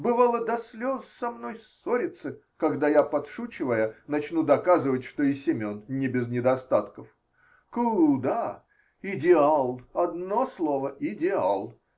Бывало, до слез со мной ссорится, когда я, подшучивая, начну доказывать, что и Семен не без недостатков. Куда! Идеал, одно слово -- идеал.